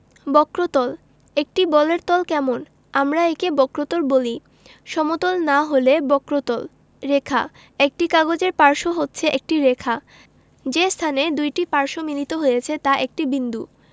বক্রতলঃ একটি বলের তল কেমন আমরা একে বক্রতল বলি সমতল না হলে বক্রতল রেখাঃ একটি কাগজের পার্শ্ব হচ্ছে একটি রেখা যে স্থানে দুইটি পার্শ্ব মিলিত হয়েছে তা একটি বিন্দু